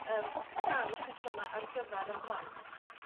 yym ca'l y petha 'ma ar gyfer 'yn plant